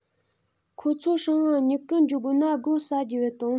ཁོད ཚོ སྲང ང ཉུལ གི འགྱོ དགོ ན སྒོ ཟྭ རྒྱོབ བ ཐོངས